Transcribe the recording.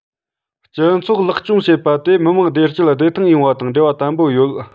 སྤྱི ཚོགས ལེགས སྐྱོང བྱེད པ དེ མི དམངས བདེ སྐྱིད བདེ ཐང ཡོང བ དང འབྲེལ བ དམ པོ ཡོད